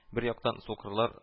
Бер яктан, сукырлар